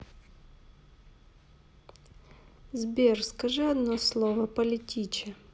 сбер скажи одно слово политиче